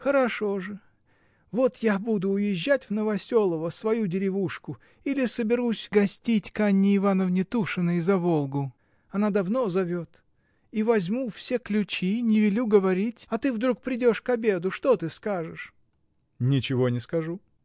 Хорошо же: вот я буду уезжать в Новоселово, свою деревушку, или соберусь гостить к Анне Ивановне Тушиной, за Волгу: она давно зовет, и возьму все ключи, не велю готовить, а ты вдруг придешь к обеду: что ты скажешь? — Ничего не скажу.